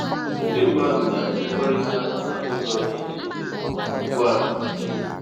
“Ndị mmadụ na emerịkọta n’ụzọ dị iche iche” ugbu a, o kwuru.